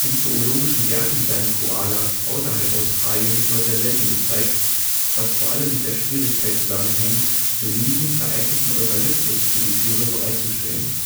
Zoologischen Gärten werden Koalas außerhalb Australiens nur sehr selten gezeigt, was vor allem mit der Schwierigkeit zusammenhängt, genügend geeigneten Eukalyptus für die Tiere bereitzustellen